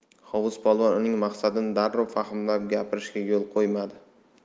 hovuz polvon uning maqsadini darrov fahmlab gapirishga yo'l qo'ymadi